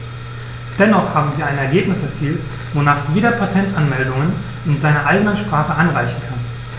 Dennoch haben wir ein Ergebnis erzielt, wonach jeder Patentanmeldungen in seiner eigenen Sprache einreichen kann.